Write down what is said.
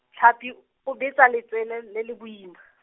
Tlhapi, o betsa letswele, le le boima.